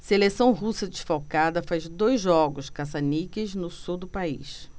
seleção russa desfalcada faz dois jogos caça-níqueis no sul do país